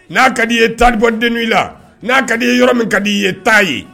N'a ka d'i ye ta bɔt la n'a ka' i ye yɔrɔ min ka d di'i ye ta ye